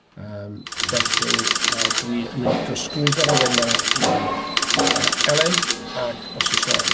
Yym, felly, yy, dwi yn mynd i drosglwyddo'r awenau i yy Elen ac os oes 'na...